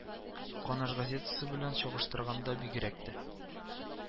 Канаш газетасы белән чагыштырганда бигрәк тә